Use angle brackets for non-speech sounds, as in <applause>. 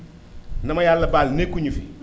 na ma yàlla <noise> baal nekkuñu fi